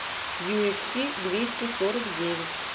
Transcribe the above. юэфси двести сорок девять